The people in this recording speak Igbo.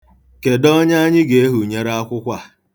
Kedụ onye anyị ga-ehunyere akwụkwọ a?